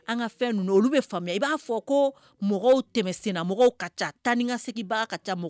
An ka fɛn olu bɛ i b'a fɔ ko mɔgɔw tɛmɛ senna mɔgɔw ka ca tan nikasigi ka taa